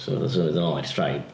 So wnaeth o symud yn ôl i'r tribe.